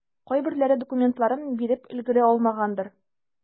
Кайберләре документларын биреп өлгерә алмагандыр.